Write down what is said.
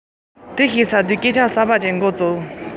རྒད པོས རང གི ནོར བུ དང འདྲ བའི